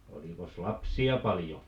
olikos lapsia paljon